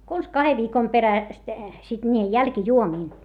konsa kahden viikon perästä sitten niihin jälkijuomiin